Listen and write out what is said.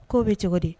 K ko bɛ cogo di